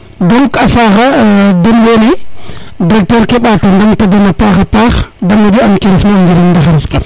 donc a faxa den wene doctor ke ɓato ndamta dena a paxa paax de moƴo an ke ref na o njiriñ ndaxar